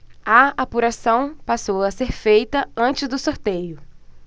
a apuração passou a ser feita antes do sorteio